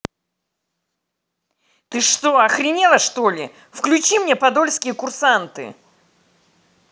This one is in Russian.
ты что охренела что ли включи мне подольские курсанты